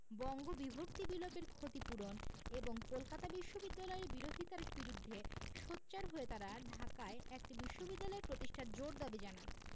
বঙ্গবিভক্তি বিলোপের ক্ষতিপূরণ এবং কলকাতা বিশ্ববিদ্যালয়ের বিরোধিতার বিরুদ্ধে সোচ্চার হয়ে তারা ঢাকায় একটি বিশ্ববিদ্যালয় প্রতিষ্ঠার জোর দাবি জানান